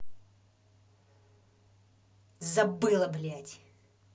забыла блядь